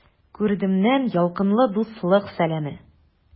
Күрдемнән ялкынлы дуслык сәламе!